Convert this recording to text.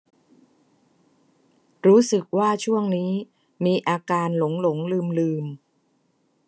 รู้สึกว่าช่วงนี้มีอาการหลงหลงลืมลืม